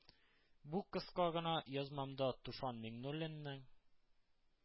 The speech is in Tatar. Бу кыска гына язмамда Туфан Миңнуллинның